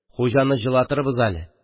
Хуҗаны елатырбыз әле.